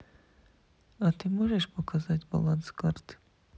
а ты можешь показать баланс карты